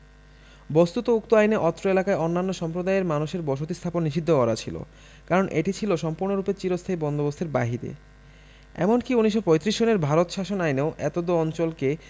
বস্তুত উক্ত আইনে অত্র এলাকায় অন্যান্য সম্প্রদায়ের মানুষের বসতী স্থাপন নিষিধ্ধ করা ছিল কারণ এটি ছিল সম্পূর্ণরূপে চিরস্থায়ী বন্দোবস্তের বাহিরে এমনকি ১৯৩৫ সনের ভারত শাসন আইনেও এতদ অঞ্চলকে